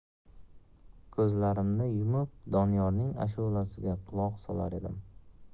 ko'zlarimni yumib doniyorning ashulasiga quloq solar edim